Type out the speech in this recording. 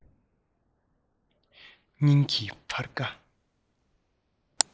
སྙིང གི འཕར སྒྲ